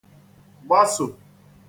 gbasò